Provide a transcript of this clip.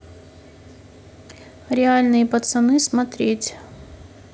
реальные пацаны смотреть